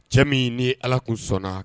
Cɛ min ni ala kun sɔnna